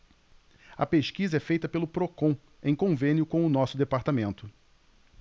a pesquisa é feita pelo procon em convênio com o diese